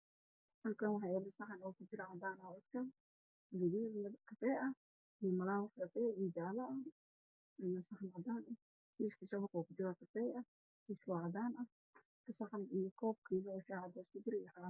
Halkaan waxaa yaal saxan oo kujira cadaan ah oodkac gaduud iyo kafay ah iyo malawax kafay iyo jaallo ah iyo saxan miiska saxanka uu ku jira kafay ah miiska oo cadaan eh saxan iyo koob shaah cadays ku jira iyo caano